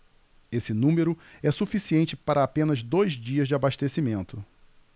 esse número é suficiente para apenas dois dias de abastecimento